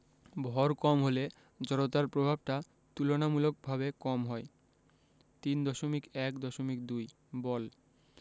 ভর কম হলে জড়তার প্রভাবটা তুলনামূলকভাবে কম হয় ৩.১.২ বল